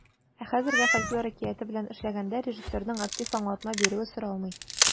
Ә хәзергә фольклор әкияте белән эшләгәндә режиссерның актив аңлатма бирүе соралмый.